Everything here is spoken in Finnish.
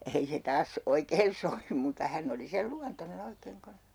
ei se taas oikein sovi mutta hän oli sen luontoinen oikein kanssa